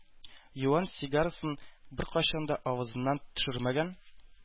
Юан сигарасын беркайчан да авызыннан төшермәгән